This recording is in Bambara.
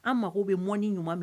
An mago bɛ mɔni ɲuman min